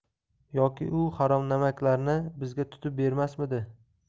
yoki u haromnamaklarni bizga tutib bermasmidi